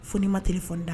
Fo' ma t fɔ da